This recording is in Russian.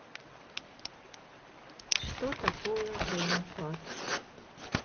что такое геймпад